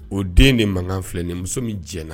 O den de mankan filɛ ni muso min jɲɛna